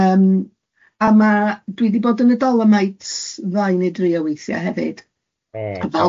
Yym a ma' dwi di bod yn y Dolomites ddau neu dri o weithiau hefyd... Oh. ...ie ie.